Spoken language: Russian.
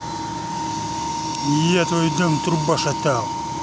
я твой дом труба шатал